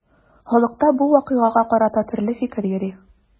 Халыкта бу вакыйгага карата төрле фикер йөри.